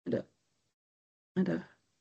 Yndw yndw.